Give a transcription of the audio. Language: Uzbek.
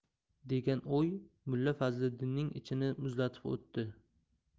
degan o'y mulla fazliddinning ichini muzlatib o'tdi